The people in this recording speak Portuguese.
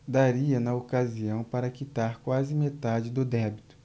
daria na ocasião para quitar quase metade do débito